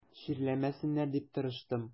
Чирләмәсеннәр дип тырыштым.